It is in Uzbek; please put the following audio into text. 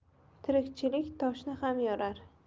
tirikchilik toshni ham yorar